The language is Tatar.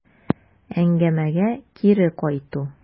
Әңгәмәгә кире кайту.